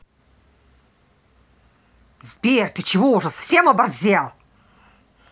сбер ты чего уже совсем оборзел